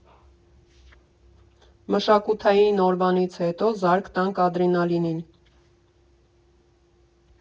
Մշակութային օրվանից հետո զարկ տանք ադրենալինին։